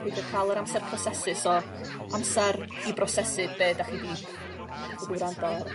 ...peidio ca'l yr amsar prosesu so amsar i brosesu be' dach chi be' dych 'di wrando...